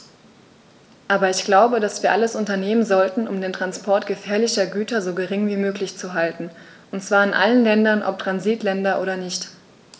Aber ich glaube, dass wir alles unternehmen sollten, um den Transport gefährlicher Güter so gering wie möglich zu halten, und zwar in allen Ländern, ob Transitländer oder nicht.